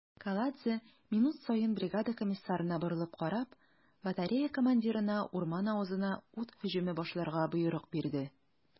Каладзе, минут саен бригада комиссарына борылып карап, батарея командирына урман авызына ут һөҗүме башларга боерык бирде.